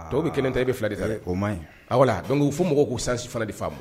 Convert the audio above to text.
Dɔw bɛ kelen ta i bɛ fila de ta o ma a dɔnku fo mɔgɔw k'u sansi fana di fa ma